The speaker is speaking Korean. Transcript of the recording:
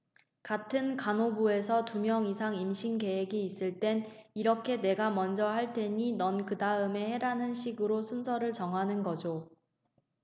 같은 간호부에서 두 명 이상 임신 계획이 있을 땐 이렇게 내가 먼저 할 테니 넌 그다음에 해라는 식으로 순서를 정하는 거죠